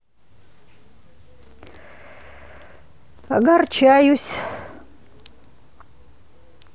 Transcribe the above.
огорчаюсь